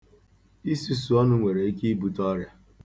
Isusu ọnụ nwere ike na-ebute ọrịa.